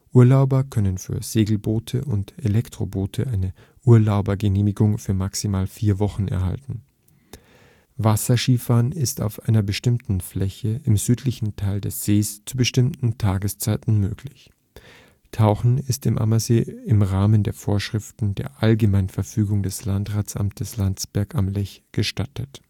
Urlauber können für Segelboote und Elektroboote eine Urlaubergenehmigung für maximal vier Wochen erhalten. Wasserskifahren ist auf einer bestimmten Fläche im südlichen Teil des Sees zu bestimmten Tageszeiten möglich. Tauchen ist im Ammersee im Rahmen der Vorschriften der Allgemeinverfügung des Landratsamtes Landsberg am Lech gestattet